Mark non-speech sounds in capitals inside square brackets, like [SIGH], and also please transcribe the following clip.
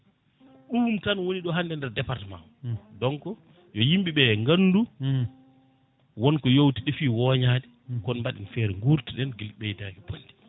ɗum tan woni ɗo hande nder département [SMACKS LIPS] donc yo yimɓeɓe gandu [SMACKS LIPS] wonko yowti ɗefi woñade kono mbaɗen feere gurti nen ɓeydaki bonde